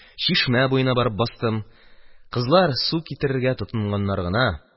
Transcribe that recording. Чишмә буена барып бастым, – кызлар су китерергә тотынганнар гына.